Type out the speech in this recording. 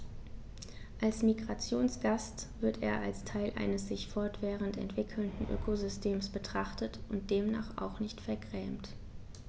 Als Migrationsgast wird er als Teil eines sich fortwährend entwickelnden Ökosystems betrachtet und demnach auch nicht vergrämt.